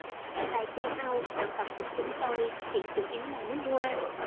tại châu âu sản phẩm của chúng tôi hiện chủ yếu là nước hoa